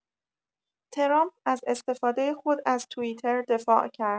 ترامپ از استفاده خود از توییتر دفاع کرد.